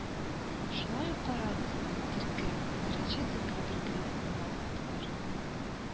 Шулай ук карагыз: Төркем:беренче декабрь көнне вафатлар